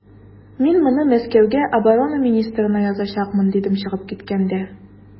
Мин моны Мәскәүгә оборона министрына язачакмын, дидем чыгып киткәндә.